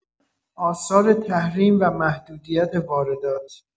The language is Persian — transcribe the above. آثار تحریم و محدودیت واردات